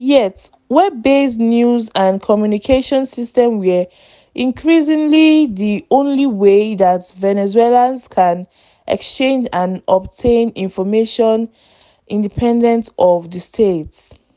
Yet web-based news and communication systems are increasingly the only way that Venezuelans can exchange and obtain information independent of the state.